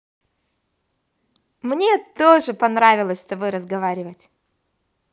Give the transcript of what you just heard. мне тоже понравилось с тобой разговаривать